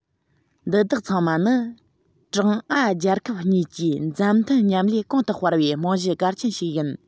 འདི དག ཚང མ ནི ཀྲུང ཨ རྒྱལ ཁབ གཉིས ཀྱིས མཛའ མཐུན མཉམ ལས གོང དུ སྤེལ བའི རྨང གཞི གལ ཆེན ཞིག ཡིན